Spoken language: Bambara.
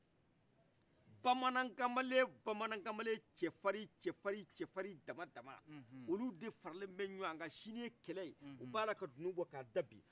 bamanan kamale bamanan kamale cɛfarin cɛfarin cɛfarin dama dama olu de farale bɛ ɲɔgɔnka siniye kɛlɛye u bala ka dunu bɔ ka da bi